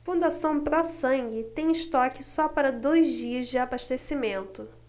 fundação pró sangue tem estoque só para dois dias de abastecimento